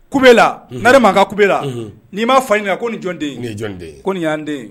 Kubela Nare Makan ka kubela. Ni ma fa ɲininka ko nin ye jɔn den ? ko nin yan den ye.